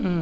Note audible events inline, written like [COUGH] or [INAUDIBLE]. [HESITATION] [HESITATION]